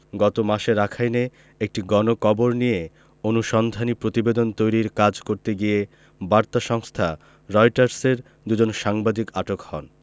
গত মাসে রাখাইনে একটি গণকবর নিয়ে অনুসন্ধানী প্রতিবেদন তৈরির কাজ করতে গিয়ে বার্তা সংস্থা রয়টার্সের দুজন সাংবাদিক আটক হন